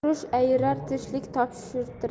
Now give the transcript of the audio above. urush ayirar tinchlik topishtirar